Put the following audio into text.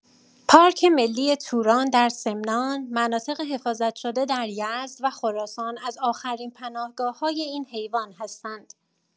پارک ملی توران در سمنان، مناطق حفاظت شده در یزد و خراسان از آخرین پناهگاه‌های این حیوان هستند.